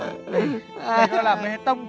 này đây đã là bê tông